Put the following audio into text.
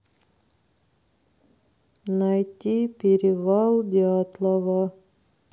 найти перевал дятлова